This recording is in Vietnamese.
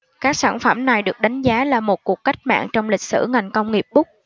các sản phẩm này được đánh giá là một cuộc cách mạng trong lịch sử ngành công nghiệp bút